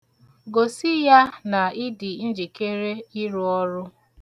Gosi ya na ị dị njikere ịrụ ọrụ.